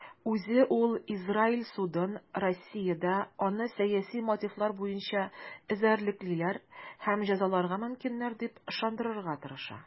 Үзе ул Израиль судын Россиядә аны сәяси мотивлар буенча эзәрлеклиләр һәм җәзаларга мөмкиннәр дип ышандырырга тырыша.